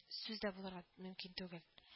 Сүз дә булырга мөмкин түгел